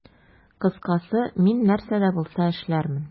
Кыскасы, мин нәрсә дә булса эшләрмен.